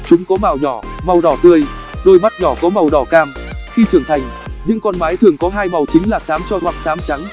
chúng có mào nhỏ màu đỏ tươi đôi mắt nhỏ có màu đỏ cam khi trưởng thành những con mái thường có màu chính là xám tro hoăc xám trắng